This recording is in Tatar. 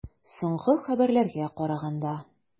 Соңгы хәбәрләргә караганда.